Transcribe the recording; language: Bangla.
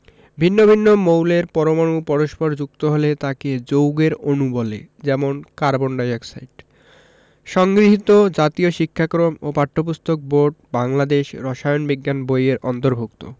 ভিন্ন ভিন্ন মৌলের পরমাণু পরস্পর যুক্ত হলে তাকে যৌগের অণু বলে যেমন কার্বন ডাই অক্সাইড সংগৃহীত জাতীয় শিক্ষাক্রম ও পাঠ্যপুস্তক বোর্ড বাংলাদেশ রসায়ন বিজ্ঞান বই এর অন্তর্ভুক্ত